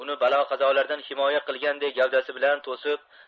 uni balo qazolardan himoya qilganday gavdasi bilan to'sib